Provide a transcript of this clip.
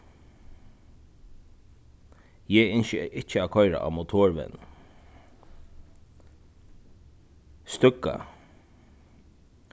eg ynski ikki at koyra á motorvegnum steðga